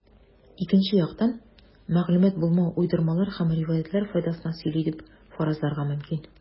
Икенче яктан, мәгълүмат булмау уйдырмалар һәм риваятьләр файдасына сөйли дип фаразларга мөмкин.